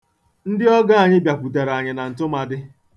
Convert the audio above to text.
Ndị ọgọ anyị bịakwutere anyị na ntụmadị.̣